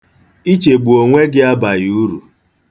Ichegbu onwe gị abaghị uru.